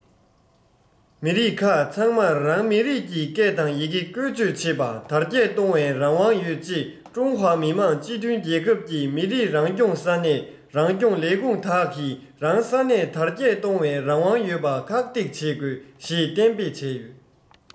མི རིགས ཁག ཚང མར རང མི རིགས ཀྱི སྐད དང ཡི གེ བཀོལ སྤྱོད བྱེད པ དར རྒྱས གཏོང བའི རང དབང ཡོད ཅེས ཀྲུང ཧྭ མི དམངས སྤྱི མཐུན རྒྱལ ཁབ ཀྱི མི རིགས རང སྐྱོང ས གནས རང སྐྱོང ལས ཁུངས དག གིས རང ས གནས དར རྒྱས གཏོང བའི རང དབང ཡོད པ ཁག ཐེག བྱེད དགོས ཞེས གཏན འབེབས བྱས ཡོད